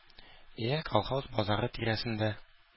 Йә колхоз базары тирәсендә